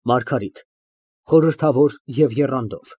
ՄԱՐԳԱՐԻՏ ֊ (Խորհրդավոր և եռանդով)։